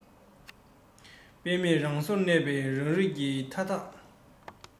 འཕེལ མེད རང སོར གནས པའི རང རིགས ཀྱི མཐའ དག